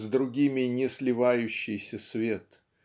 с другими не сливающийся свет